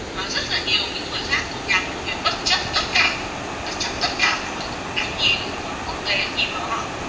rất là nhiều những người khác một nhà cầm quyền bất chấp tất cả bất chấp tất cả mọi ánh nhìn của quốc tế nhìn vào họ